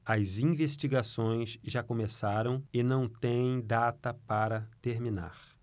as investigações já começaram e não têm data para terminar